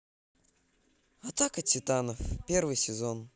атака титанов первый сезон